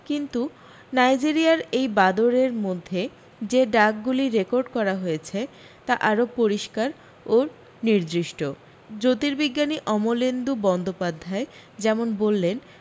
কিন্তু নাইজেরিয়ার এই বাঁদরের মধ্যে যে ডাকগুলি রেকর্ড করা হয়েছে তা আরও পরিষ্কার ও নির্দিষ্ট জ্যোতীর্বিজ্ঞানী অমলেন্দু বন্দ্যোপাধ্যায় যেমন বললেন